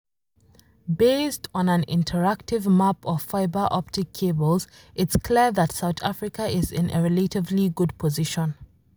Based on an interactive map of fibre optic cables, it’s clear that South Africa is in a relatively good position.